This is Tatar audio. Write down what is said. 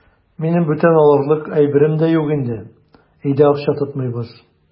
Минем бүтән алырлык әйберем дә юк инде, өйдә акча тотмыйбыз.